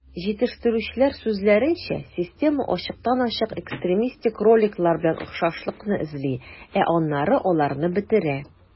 Җитештерүчеләр сүзләренчә, система ачыктан-ачык экстремистик роликлар белән охшашлыкны эзли, ә аннары аларны бетерә.